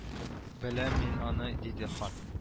Беләм мин аны диде хан